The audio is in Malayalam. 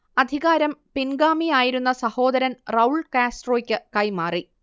അധികാരം പിൻഗാമിയായിരുന്ന സഹോദരൻ റൗൾ കാസ്ട്രോക്ക് കൈമാറി